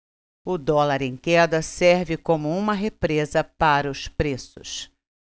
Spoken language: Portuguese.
o dólar em queda serve como uma represa para os preços